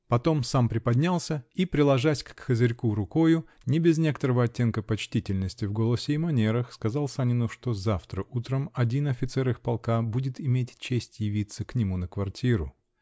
Потом сам приподнялся -- и, приложась к козырьку рукою, не без некоторого оттенка почтительности в голосе и манерах, сказал Санину, что завтра утром один офицер их полка будет иметь честь явиться к нему на квартиру.